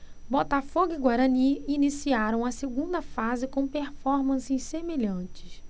botafogo e guarani iniciaram a segunda fase com performances semelhantes